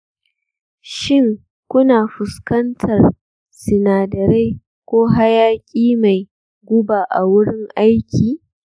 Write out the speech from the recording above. shin kuna fuskantar sinadarai ko hayaki mai guba a wurin aiki?